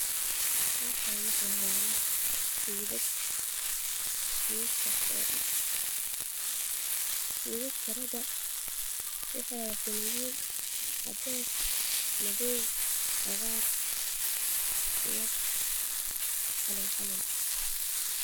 Meeshan waxa yaalo suudhadhkaraga kuwas oo Kala ah cadays madaw cagaar iyo qalinqalin